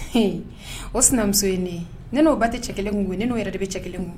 O sinamuso ye ne ne n'o ba tɛ cɛ kelen ko n'o yɛrɛ de bɛ cɛ kelen koyi